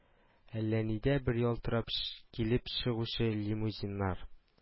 Әллә нидә бер ялтырап килеп чыгучы лимузиннар